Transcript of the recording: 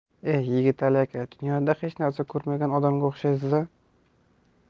e yigitali aka dunyoda hech narsa ko'rmagan odamga o'xshaysiz a